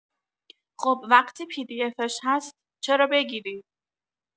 خب وقتی پی دی افش هست چرا بگیری